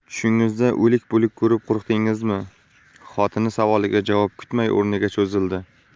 tushingizda o'lik po'lik ko'rib qo'rqdingizmi xotini savoliga javob kutmay o'rniga cho'zildi